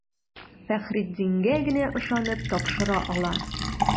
Фәхреддингә генә ышанып тапшыра ала.